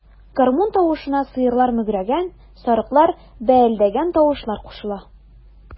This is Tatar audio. Гармун тавышына сыерлар мөгрәгән, сарыклар бәэлдәгән тавышлар кушыла.